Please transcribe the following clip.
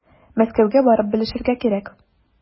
Мәскәүгә барып белешергә кирәк.